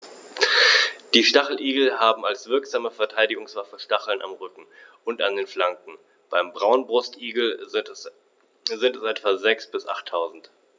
Die Stacheligel haben als wirksame Verteidigungswaffe Stacheln am Rücken und an den Flanken (beim Braunbrustigel sind es etwa sechs- bis achttausend).